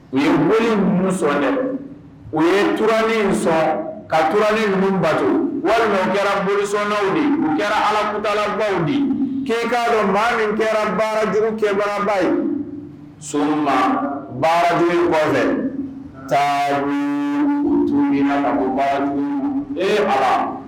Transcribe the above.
U ye morisɔn ye u yeurain sɔrɔ ka tinunbato walima kɛra bolisɔnw u kɛra alamutalabaw de keka dɔn maa min kɛra baaraj kɛ baraba ye soman baara jugu kɔfɛ takuba e ala